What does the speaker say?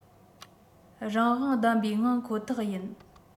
རང དབང ལྡན པའི ངང ཁོ ཐག ཡིན